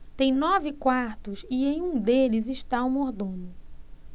tem nove quartos e em um deles está o mordomo